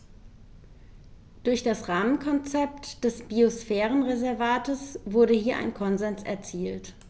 Durch das Rahmenkonzept des Biosphärenreservates wurde hier ein Konsens erzielt.